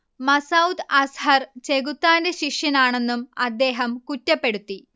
മസ്ഊദ് അസ്ഹർ ചെകുത്താന്റെ ശിഷ്യനാണെന്നും അദ്ദേഹം കുറ്റപ്പെടുത്തി